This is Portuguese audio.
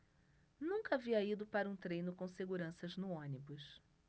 nunca havia ido para um treino com seguranças no ônibus